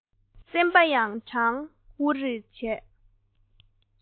སེམས པ ཡང གྲང འུར རེ བྱས